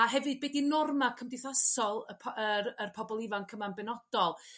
A a hefyd be 'di norma' cymdeithasol y yr yr pobol ifanc yma'n benodol?